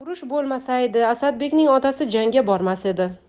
urush bo'lmasaydi asadbekning otasi jangga bormas edi